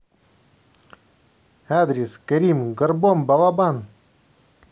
адрес карим горбом балабан